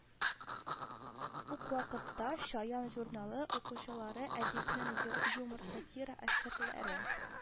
Үк вакытта «чаян» журналы укучылары әдипнең юмор-сатира әсәрләре